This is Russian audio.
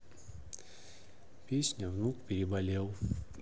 песня внук переболел